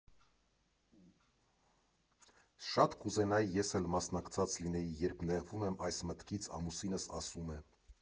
Շատ կուզենայի ես էլ մասնակցած լինեի, երբ նեղվում եմ այս մտքից, ամուսինս ասում է.